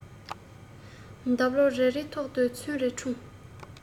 འདབ ལོ རེ རེའི ཐོག ཏུ མཚན རེ འཁྲུངས